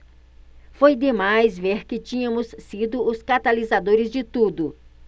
foi demais ver que tínhamos sido os catalisadores de tudo